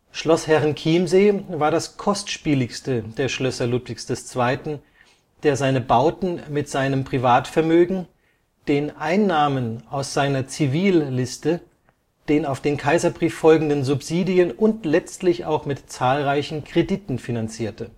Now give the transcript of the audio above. Schloss Herrenchiemsee war das kostspieligste der Schlösser Ludwigs II., der seine Bauten mit seinem Privatvermögen, den Einnahmen aus seiner Zivilliste, den auf den Kaiserbrief folgenden Subsidien und letztlich auch mit zahlreichen Krediten finanzierte